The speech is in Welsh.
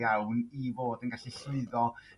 iawn i fod yn gallu llwyddo